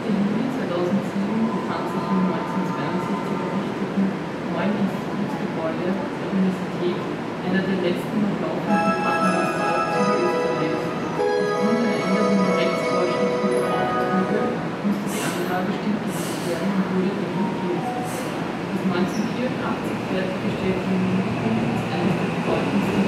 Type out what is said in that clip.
Juli 2007 befand sich im 1962 errichteten „ Neuen Institutsgebäude “(NIG) der Universität einer der letzten noch laufenden Paternosteraufzüge Österreichs. Auf Grund einer Änderung der Rechtsvorschriften für Aufzüge musste die Anlage stillgelegt werden und wurde demontiert. Das 1984 fertiggestellte Juridicum ist eines der bedeutendsten